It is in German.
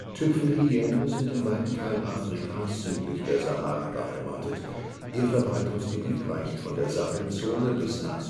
Tüpfelhyänen sind in weiten Teilen Afrikas südlich der Sahara beheimatet, ihr Verbreitungsgebiet reicht von der Sahelzone bis nach